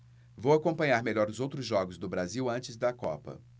vou acompanhar melhor os outros jogos do brasil antes da copa